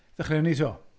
Dechreuwn ni eto.